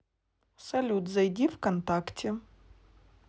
салют зайди в контакте